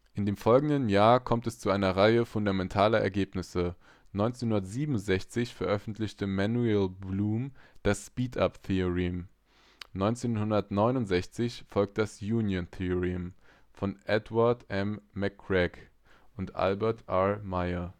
In den folgenden Jahren kommt es zu einer Reihe fundamentaler Ergebnisse. 1967 veröffentlichte Manuel Blum das Speedup-Theorem. 1969 folgt das Union-Theorem von Edward M. McCreight und Albert R. Meyer